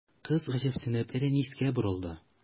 Кыз, гаҗәпсенеп, Рәнискә борылды.